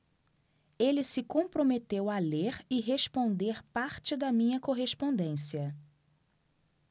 ele se comprometeu a ler e responder parte da minha correspondência